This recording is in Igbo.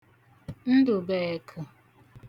Ndụ̀bụ̀ẹkə̣̀